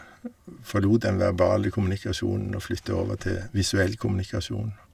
Forlot den verbale kommunikasjonen og flytta over til visuell kommunikasjon.